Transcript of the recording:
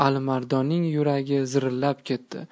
almardonning yuragi zirillab ketdi